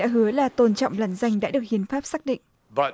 đã hứa là tôn trọng lẫn danh đã được hiến pháp xác định